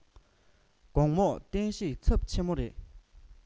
དགོང མོ བསྟན བཤུག ཚབས ཆེན མོ རེ